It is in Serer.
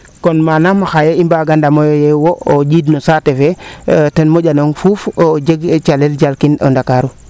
kon maana xaye i mbaaga ndamo ye xaye wo o njiind no saate fe ten moƴa nong fuuf a jeg calel jal kin o ndakaru